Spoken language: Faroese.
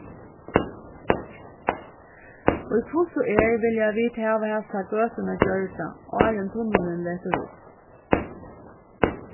í hvussu er vilja vit hava hasa gøtuna gjørda áðrenn tunnilin letur upp